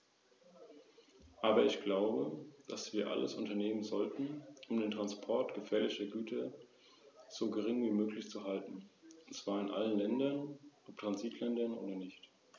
Wir alle bedauern, dass das Europäische Komitee für Normung nicht in der Lage gewesen ist, in der geforderten Zeit die notwendige Vorschriftenänderung für eine entsprechende Harmonisierung im Geltungsbereich der Europäischen Union durchzuführen.